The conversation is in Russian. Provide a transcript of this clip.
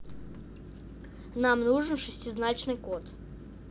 нам нужен шестизначный код